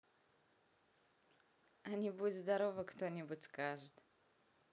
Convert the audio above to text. а нибудь здорово кто нибудь скажет